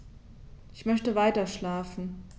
Ich möchte weiterschlafen.